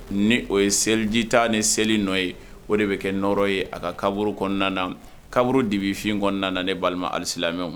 Ni o ye selijita ni seli nɔ ye o de bɛ kɛ n nɔɔrɔ ye a ka kaburu kɔnɔna kaburu dibifin kɔnɔna ne balima alisilame